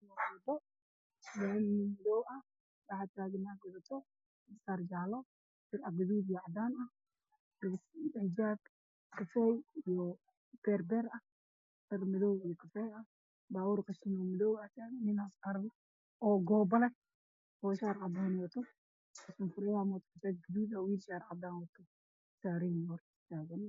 Halkaan waxaa ka muuqdo gaari iska rogo ah oo nin saaran midabka gaariga waa guduud waxaana daba taagan sadex dumarka mid ay qabto gabasaar jaalo ah